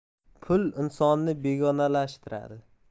pul insonni begonalashtiradi